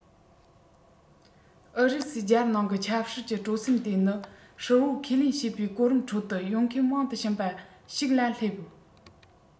ཨུ རུ སུའི རྒྱལ ནང གི ཆབ སྲིད ཀྱི སྤྲོ སེམས དེ ནི ཧྲིལ པོ ཁས ལེན བྱེད པའི གོ རིམ ཁྲོད དུ ཡོང མཁན མང དུ ཕྱིན པ ཞིག ལ སླེབས